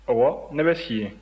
ɔwɔ ne bɛ si yen